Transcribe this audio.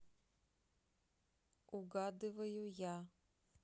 угадываю я